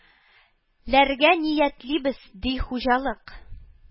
Ләргә ниятлибез, ди хуҗалык